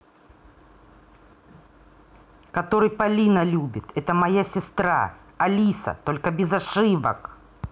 который полина любит это моя сестра алиса только без ошибок